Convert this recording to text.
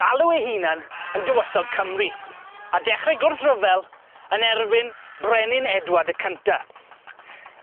galw ei hunan yn dywysog Cymru, a dechrau gwrthryfel yn erbyn brenin Edward y Cynta.